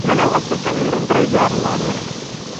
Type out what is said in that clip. Ma' 'na lot o geir yn dreifio ar y lôn yma.